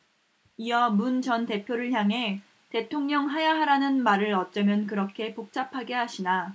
이어 문 전 대표를 향해 대통령 하야하라는 말을 어쩌면 그렇게 복잡하게 하시나